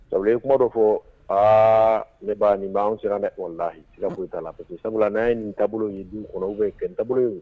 Ye kuma dɔ fɔ aa ne' nin b'an sera ne o la sira'a la parce que sabula n'a ye nin taabolo du kɔnɔ bɛ kɛ taabolo ye